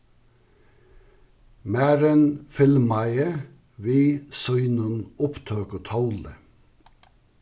marin filmaði við sínum upptøkutóli